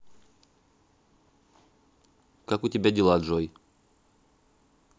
как дела у тебя джой